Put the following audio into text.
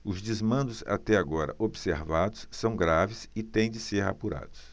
os desmandos até agora observados são graves e têm de ser apurados